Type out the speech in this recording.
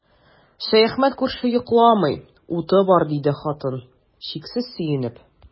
Шәяхмәт күрше йокламый, уты бар, диде хатын, чиксез сөенеп.